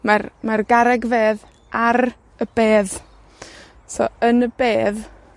Mae'r, mae'r garreg fedd ar y bedd, so, yn y bedd,